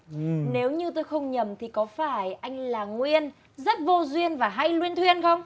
nếu như tôi không nhầm thì có phải anh là nguyên rất vô duyên và hay luyên thuyên không